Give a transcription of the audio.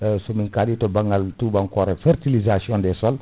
somin kaali to banggal tubankore fertilisation des sols